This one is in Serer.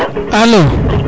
alo